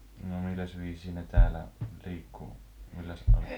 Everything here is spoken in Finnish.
no milläs viisiin ne täällä - milläs -